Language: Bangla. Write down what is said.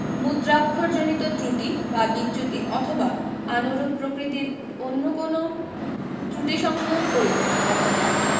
মুদ্রাক্ষরজনিত ত্রুটি বা বিচ্যুতি অথবা আনুরূপ প্রকৃতির অন্য কোন ত্রুটি সংশোধন করিতে অথবা